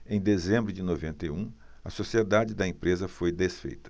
em dezembro de noventa e um a sociedade da empresa foi desfeita